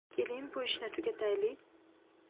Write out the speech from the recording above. keling bu ishni tugataylik